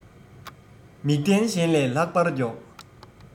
མིག ལྡན གཞན ལས ལྷག པར མགྱོགས